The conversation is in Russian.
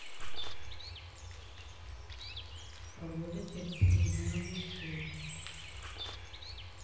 погода через три дня в москве